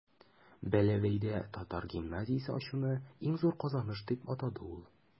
Бәләбәйдә татар гимназиясе ачуны иң зур казаныш дип атады ул.